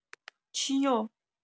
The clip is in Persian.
چیو؟